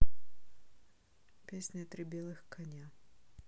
песня три белых коня